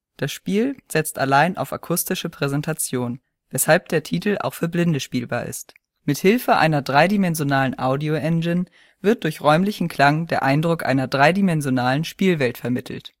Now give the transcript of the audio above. Das Spiel setzt allein auf akustische Präsentation, weshalb der Titel auch für Blinde spielbar ist. Mit Hilfe einer dreidimensionalen Audio-Engine wird durch räumlichen Klang der Eindruck einer dreidimensionalen Spielwelt vermittelt